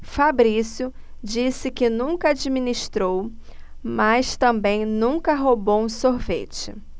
fabrício disse que nunca administrou mas também nunca roubou um sorvete